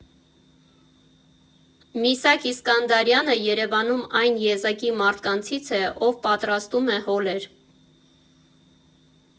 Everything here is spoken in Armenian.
Միսակ Իսկանդարյանը Երևանում այն եզակի մարդկանցից է, ով պատրաստում է հոլեր։